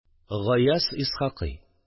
Гаяз Исхакый